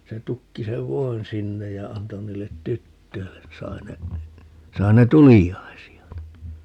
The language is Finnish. se tukki sen voin sinne ja antoi niille tytöille niin sai ne sai ne tuliaisia niin